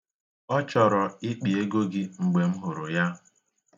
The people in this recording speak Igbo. Ọ chọrọ ịkpị ego gị mgbe m hụrụ ya.